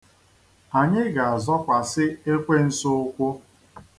Anyị ga-azọkwasị ekwensu ụkwụ.